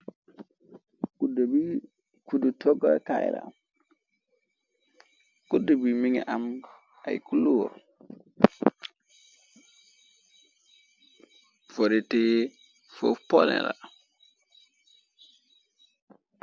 Bkuddu toga kayra kudd bi minga am ay kuloo foretee fof polela.